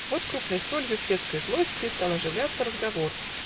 Вот крупной солью светской злости Стал оживляться разговор